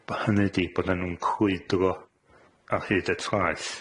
B- hynny 'di bod a nw'n crwydro ar hyd y traeth